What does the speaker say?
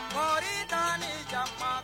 Pritan ni ja